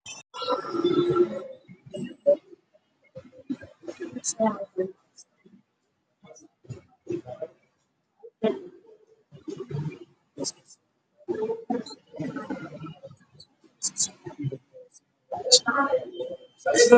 Meeshan waa meel walba waxaa marayo gaari pensele oo cadaan ah